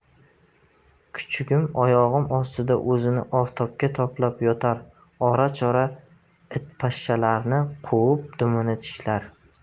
kuchugim oyog'im ostida o'zini oftobga toblab yotar ora chora itpashshalarni quvib dumini tishlar